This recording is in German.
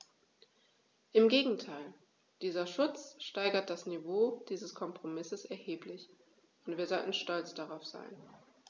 Im Gegenteil: Dieser Schutz steigert das Niveau dieses Kompromisses erheblich, und wir sollten stolz darauf sein.